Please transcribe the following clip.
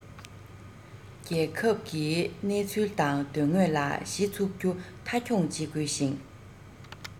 རྒྱལ ཁབ ཀྱི གནས ཚུལ དང དོན དངོས ལ གཞི ཚུགས རྒྱུ མཐའ འཁྱོངས བྱེད དགོས ཤིང